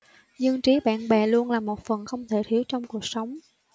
dân trí bạn bè luôn là một phần không thể thiếu trong cuộc sống